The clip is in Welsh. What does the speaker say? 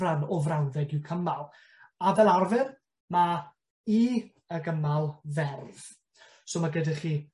Ran o frawddeg yw cymal, a fel arfer ma' i y gymal ferf. So ma' gyda chi